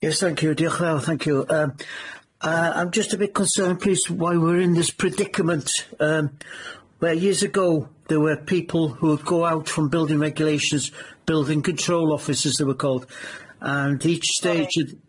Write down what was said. Yes, thank you, diolch yn fawr, thank you. Erm err I'm just a bit concerned please why we're in this predicament. Erm, where years ago there were people who would go out from building regulations, building control offices they were called, and each stage... Sorry.